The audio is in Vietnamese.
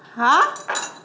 hả